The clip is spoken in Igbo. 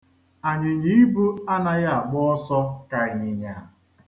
Anyịnyaibu anaghị agba ọsọ ka ịnyịnya.